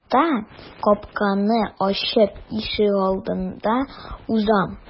Такта капканы ачып ишегалдына узам.